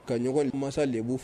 Ka ɲɔgɔn masa bfu